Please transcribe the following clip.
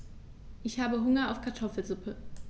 Ich habe Hunger auf Kartoffelsuppe.